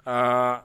A